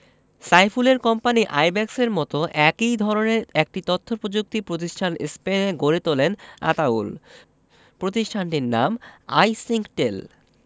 সাইফুলের কোম্পানি আইব্যাকসের মতো একই ধরনের একটি তথ্যপ্রযুক্তি প্রতিষ্ঠান স্পেনে গড়ে তোলেন আতাউল প্রতিষ্ঠানটির নাম আইসিংকটেল